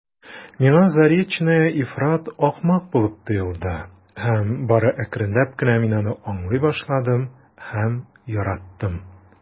Миңа Заречная ифрат ахмак булып тоелды һәм бары әкренләп кенә мин аны аңлый башладым һәм яраттым.